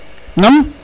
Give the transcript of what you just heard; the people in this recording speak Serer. nam